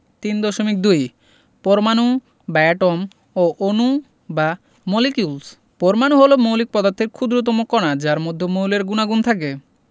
৩.২ পরমাণু বা এটম ও অণু বা মলিকিউলস পরমাণু হলো মৌলিক পদার্থের ক্ষুদ্রতম কণা যার মধ্যে মৌলের গুণাগুণ থাকে